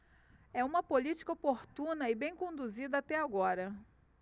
é uma política oportuna e bem conduzida até agora